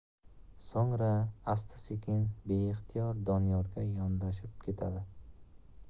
so'ngra asta sekin beixtiyor doniyorga yondashib ketadi